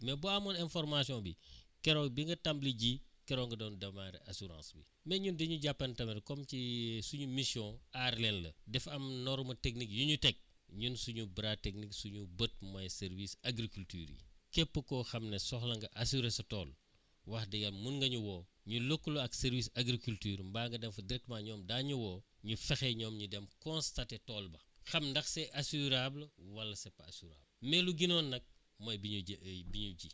mais boo amoon information bi keroog bi nga tàmbali ji keroog nga doon démarrer assurance bi mais ñun dañu jàppantal rek comme ci suñu mission aar leen la dafa am norme technique yu ñu teg ñun suñu bras technique suñu bët mooy service agriculture yi képp koo xam ne soxla nga assurer sa tool wax dëgg yàlla mun nga ñu woo ñu lëkkaloo ak services agriculture yi mbaa nga dem fa directement ñoom daañ la woo ñu fexe ñoom ñu dem constater tool ba xam ndax c' est assurable wala c' est pas assurable mais lu gënoon nag mooy di ñu ji bi ñu ji